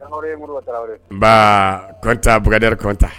Nba kɔntan bugdari kɔntan